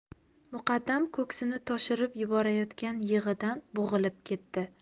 muqaddam ko'ksini toshirib yuborayotgan yig'idan bo'g'ilib ketdi